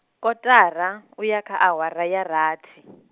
kotara, u ya kha awara ya rathi .